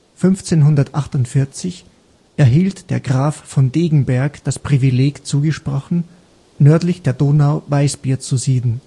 1548 erhielt der Graf von Degenberg das Privileg zugesprochen, nördlich der Donau Weißbier zu sieden